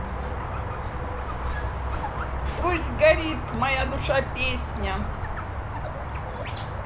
пусть горит моя душа песня